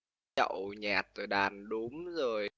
nhậu nhẹt rồi đàn đúm rồi